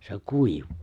se kuivaa